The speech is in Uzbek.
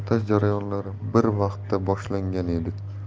montaj jarayonlari bir vaqtda boshlangan edi